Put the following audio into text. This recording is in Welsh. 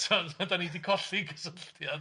so dan ni di colli gysylltiad.